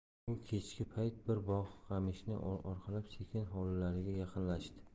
u kechki payt bir bog' qamishni orqalab sekin hovlilariga yaqinlashdi